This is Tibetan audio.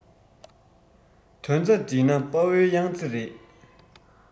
དོན རྩ བསྒྲིལ ན དཔལ བོའི ཡང རྩེ རེད